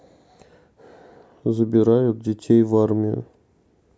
забирают детей в армию